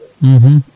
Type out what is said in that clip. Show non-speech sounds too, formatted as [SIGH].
[HESITATION] [HESITATION]